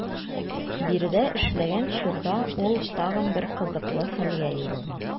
Биредә эшләгән чорда ул тагын бер кызыклы хәлгә юлыга.